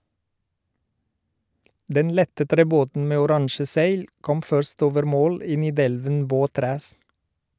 Den lette trebåten med oransje seil kom først over mål i Nidelven båtræs.